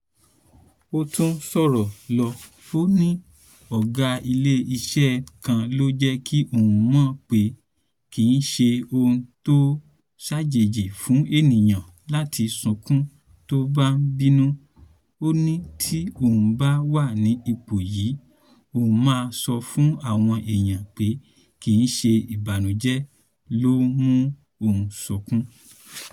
Ó tún sọ̀rọ̀ lọ. Ó ní,”Ọ̀gá ilé-iṣẹ́ kan ló jẹ́ ki i mò pé kì í ṣe ohun tó ṣàjèjì fún èèyàn láti sunkún tó bá ń binú. Ó ní tí òun bá wà ní ipò yí òun máa sọ fún àwọn èèyàn pé kì í se ìbànújẹ́ ló ń mú òun sọkún.